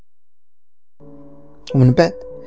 من بعد